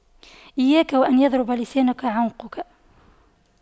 إياك وأن يضرب لسانك عنقك